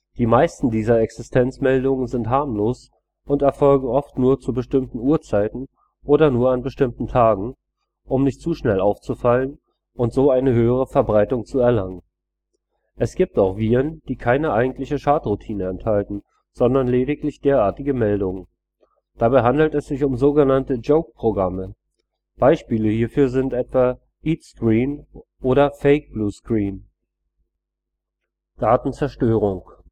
Die meisten dieser Existenzmeldungen sind harmlos und erfolgen oft nur zu bestimmten Uhrzeiten oder nur an bestimmten Tagen, um nicht zu schnell aufzufallen und so eine höhere Verbreitung zu erlangen. Es gibt auch „ Viren “, die keine eigentliche Schadroutine enthalten, sondern lediglich derartige Meldungen. Dabei handelt es sich um sogenannte Joke-Programme. Beispiele hierfür sind etwa Eatscreen oder FakeBlueScreen. Datenzerstörung